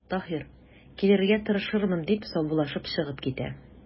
Таһир:– Килергә тырышырмын,– дип, саубуллашып чыгып китә.